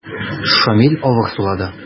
Шамил авыр сулады.